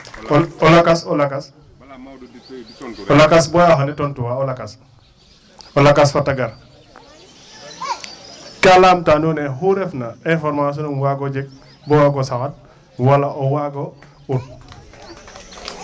Kon o lakas o lakas o lakas bala o xene tontooxa o lakas fat a gar ka laamta nuun ne oxu refna information num waag o jeg bo waag o saxad wala o waag o ut.